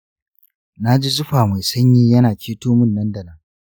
naji zufa mai sanyi yana ƙeto min nan da nan